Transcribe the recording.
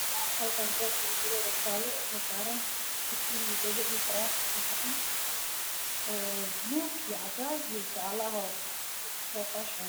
Waa boombalo madow ah waxaa saaran katiin